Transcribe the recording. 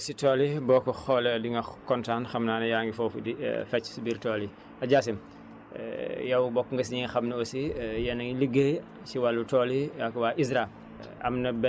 soo ñëwee si tool yi boo ko xoolee di nga kontaan xam naa ne yaa ngi foofu di fecc si biir tool yi Dia Sy yow bokk nga si ñi nga xam ne aussi yéen a ngi liggéey si wàllu tool yi ak waa ISRA